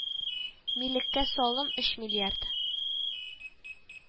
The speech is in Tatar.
Милеккә салым өч миллиард